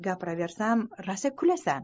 gapiraversam rosa kulasan